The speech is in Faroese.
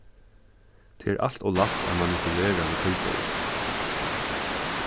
tað er alt ov lætt at manipulera við tilboðum